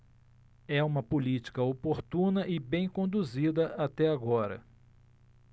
é uma política oportuna e bem conduzida até agora